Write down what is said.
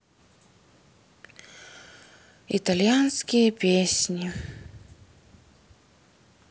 итальянские песни